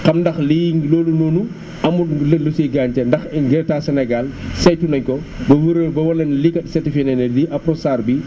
xam ndax lii loolu noonu amul lu siy gaañte ndax état Sénégal saytu nañ ko ba wér leen ba wan leen lii kat certifié na ne lii Apronstar bii